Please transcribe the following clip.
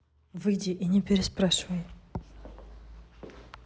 выйди и не переспрашивай